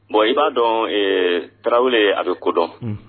Bon i ba dɔn ee tarawele a bɛ ko dɔn.